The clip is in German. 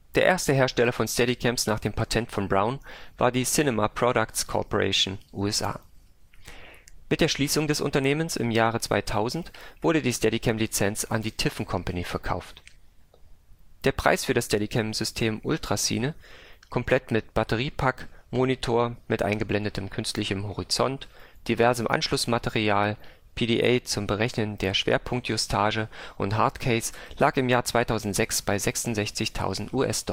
Der erste Hersteller von Steadicams nach dem Patent von Brown war die Cinema Products Corporation, USA. Mit der Schließung des Unternehmens im Jahr 2000 wurde die Steadicam-Lizenz an die Tiffen Company verkauft. Der Preis für das Steadicam-System „ UltraCine “, komplett mit Batteriepack, Monitor (mit eingeblendetem künstlichem Horizont), diversem Anschlussmaterial, PDA zum Berechnen der Schwerpunktjustage und Hardcase lag im Jahr 2006 bei 66.000 US-$